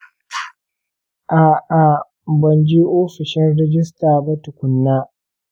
a’a, ban je ofishin rajista ba tukuna.